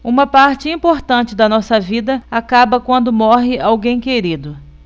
uma parte importante da nossa vida acaba quando morre alguém querido